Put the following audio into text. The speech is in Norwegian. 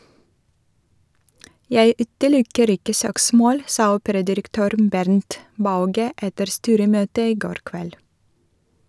Jeg utelukker ikke søksmål , sa operadirektør Bernt Bauge etter styremøtet i går kveld.